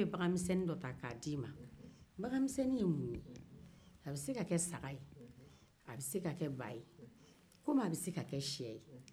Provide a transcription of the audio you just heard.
baganminsennin ye mun ye a bɛ se ka kɛ saga a bɛ se ka kɛ ba komi a bɛ se ka kɛ sɛ ye